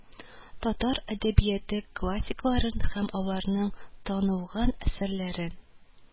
Татар əдəбияты классикларын һəм аларның танылган əсəрлəрен